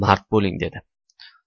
mard bo'ling dedi